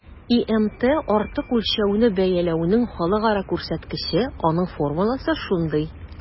ИМТ - артык үлчәүне бәяләүнең халыкара күрсәткече, аның формуласы шундый: